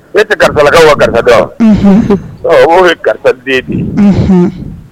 E tɛ karisalakaw wa karisasa dɔn ɔ ye karisa den de ye